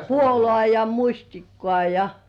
puolukkaa ja mustikkaa ja